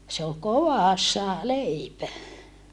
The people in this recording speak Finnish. se oli kovassa leipä